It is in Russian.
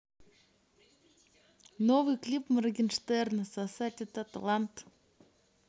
новый клип моргенштерна сосать этот талант